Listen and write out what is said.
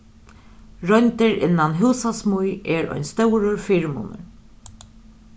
royndir innan húsasmíð er ein stórur fyrimunur